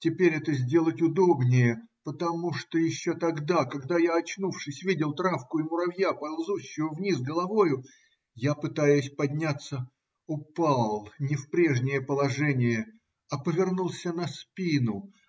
Теперь это сделать удобнее, потому что еще тогда, когда я, очнувшись, видел травку и муравья, ползущего вниз головою, я, пытаясь подняться, упал не в прежнее положение, а повернулся на спину.